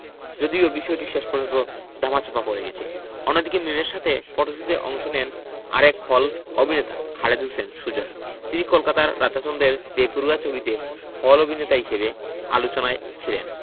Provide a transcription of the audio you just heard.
যদিও শেষ পর্যন্ত বিষয়টি ধামাচাপা পড়ে গেছে অন্যদিকে মিমের সাথে ফটশুটে অংশ নেন আরেক খল অভিনেতা খালেদ হোসেন সুজন তিনি কলকাতার রাজা চন্দের বেপরোয়া ছবিতে খল অভিননেতা হিসেবে আলোচনায় ছিলেন